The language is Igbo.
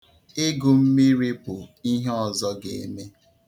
Ịgụ mmīrī bụ ihe ọzọ ga-eme.